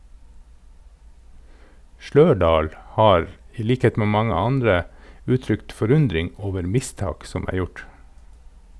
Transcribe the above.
Slørdahl har, i likhet med mange andre, uttrykt forundring over mistak som er gjort.